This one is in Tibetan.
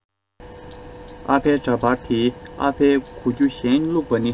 ཨ ཕའི འདྲ པར དེའི ཨ ཕའི གོ རྒྱུ གཞན བླུག པ ནི